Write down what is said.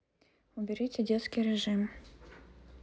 уберите детский режим